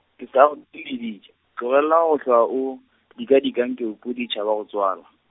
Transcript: ke sa go theeleditše, tlogela go hlwa o, dikadika nke o pudi e tšhaba go tswala.